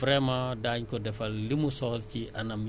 ku ñu soxla tamit comme ni nga ko bu ñëwee ci service techniques yi